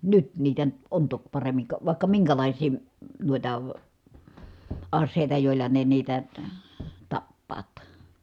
nyt niitä on toki paremmin ka vaikka minkälaisia - noita aseita joilla ne niitä - tappavat